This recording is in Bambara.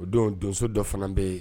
O don donso dɔ fana bɛ yen